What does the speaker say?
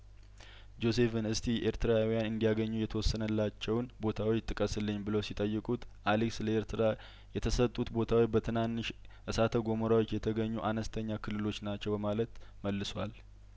ጆዜፍን እስቲ ኤርትራውያን እንዲ ያገኙ የተወሰነላቸውን ቦታዎች ጥቀ ስልኝ ብለው ሲጠይቁት አሌክስ ለኤርትራ የተሰጡት ቦታዎች በትናንሽ እሳተ ገሞራዎች የተገኙ አነስተኛ ክልሎች ናቸው በማለት መልሷል